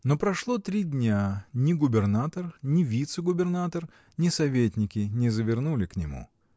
Но прошло три дня: ни губернатор, ни вице-губернатор, ни советники не завернули к нему.